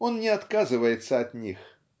он не отказывается от них